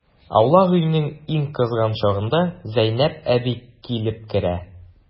Аулак өйнең иң кызган чагында Зәйнәп әби килеп керә.